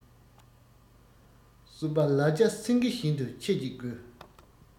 གསུམ པ ལ རྒྱ སེང གེ བཞིན དུ ཆེ གཅིག དགོས